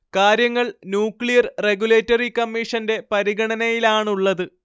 കാര്യങ്ങൾ nuclear regulatory കമ്മീഷന്റെ പരിഗണനയിലാണുള്ളത്